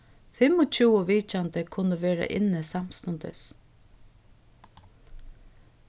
fimmogtjúgu vitjandi kunnu verða inni samstundis